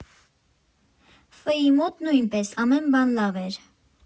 Ֆ֊ի մոտ նույնպես ամեն բան լավ էր.